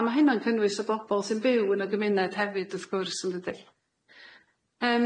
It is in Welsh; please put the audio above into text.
A ma' hynna'n cynnwys y bobol sy'n byw yn y gymuned hefyd wrth gwrs yn dydi?